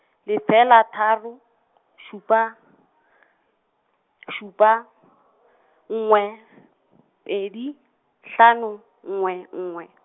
lefela, tharo, šupa, šupa , nngwe, pedi, hlano, ngwe ngwe.